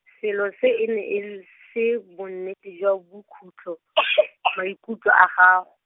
selo se e ne e n- se bonnete jwa bokhutlho , maikutlo a gago.